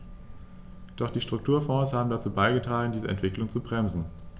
Doch die Strukturfonds haben dazu beigetragen, diese Entwicklung zu bremsen.